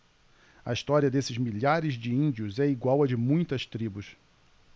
a história desses milhares de índios é igual à de muitas tribos